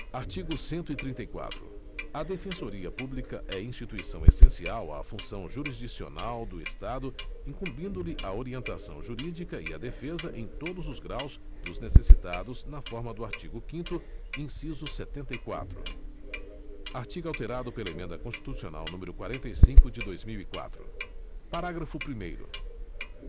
artigo cento e trinta e quatro a defensoria pública é instituição essencial à função jurisdicional do estado incumbindo lhe a orientação jurídica e a defesa em todos os graus dos necessitados na forma do artigo quinto inciso setenta e quatro artigo alterado pela emenda constitucional número quarenta e cinco de dois mil e quatro parágrafo primeiro